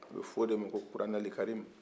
a bɛ fɔ de ko arabe